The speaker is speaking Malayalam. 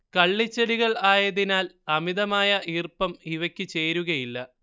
കള്ളിച്ചെടികൾ ആയതിനാൽ അമിതമായ ഈർപ്പം ഇവക്കു ചേരുകയില്ല